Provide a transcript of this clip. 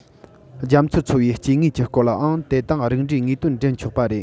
རྒྱ མཚོར འཚོ བའི སྐྱེ དངོས ཀྱི སྐོར ལའང དེ དང རིགས འདྲའི དངོས དོན འདྲེན ཆོག པ རེད